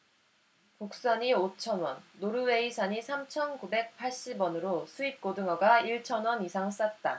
국산이 오 천 원 노르웨이산이 삼 천 구백 팔십 원으로 수입 고등어가 일 천 원 이상 쌌다